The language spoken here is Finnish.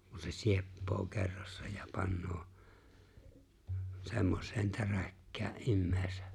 kun se sieppaa kerrassa ja panee semmoiseen täräkkään ihmisen